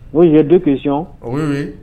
O ye du k'isi